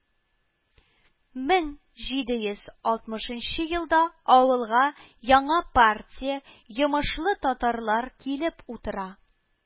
Мең җиде йөз алтмышынчы елда авылга яңа партия йомышлы татарлар килеп утыра